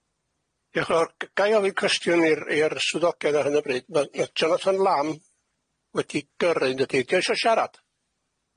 Diolch yn fowr, g- gai ofyn cwestiwn i'r i'r swyddogion ar hyn o bryd, ma' i- Jonathan Lam wedi gyrru'n dydi? Dio isio siarad?